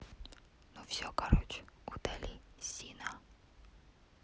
ну все короче удали сина